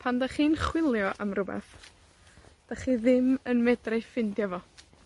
pan 'dach chi'n chwilio am rwbath, 'dych chi ddim yn medru ffindio fo.